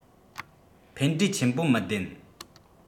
ཕན འབྲས ཆེན པོ མི ལྡན